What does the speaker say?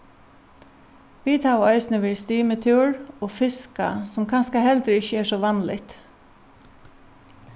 vit hava eisini verið stimitúr og fiskað sum kanska heldur ikki er so vanligt